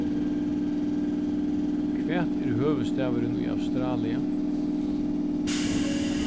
hvat er høvuðsstaðurin í australia